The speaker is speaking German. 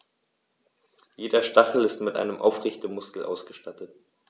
Jeder Stachel ist mit einem Aufrichtemuskel ausgestattet.